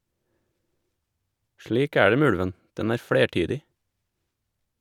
Slik er det med ulven - den er flertydig.